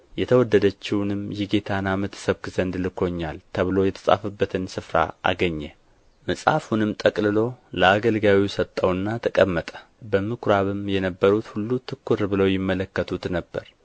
የተወደደችውንም የጌታን ዓመት እሰብክ ዘንድ ልኮኛል ተብሎ የተጻፈበትን ስፍራ አገኘ መጽሐፉንም ጠቅልሎ ለአገልጋዩ ሰጠውና ተቀመጠ በምኵራብም የነበሩት ሁሉ ትኵር ብለው ይመለከቱት ነበር